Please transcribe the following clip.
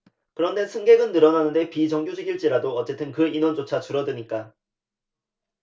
그런데 승객은 늘어나는데 비정규직일지라도 어쨌든 그 인원조차 줄어드니까